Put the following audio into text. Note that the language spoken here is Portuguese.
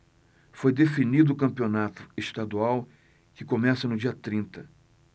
foi definido o campeonato estadual que começa no dia trinta